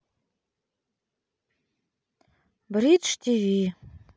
бридж тиви